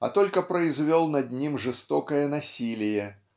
а только произвел над ним жестокое насилие